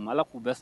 Ala k'u bɛ sa